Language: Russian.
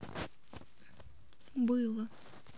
было